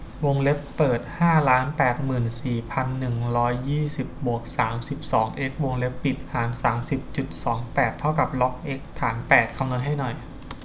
วงเล็บเปิดห้าล้านแปดหมื่นสี่พันหนึ่งร้อยยี่สิบบวกสามสิบสองเอ็กซ์วงเล็บปิดหารสามสิบจุดสองแปดเท่ากับล็อกเอ็กซ์ฐานแปดคำนวณให้หน่อย